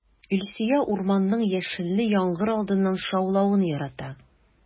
Илсөя урманның яшенле яңгыр алдыннан шаулавын ярата.